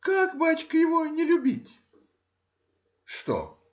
— Как, бачка, его не любить? — Что?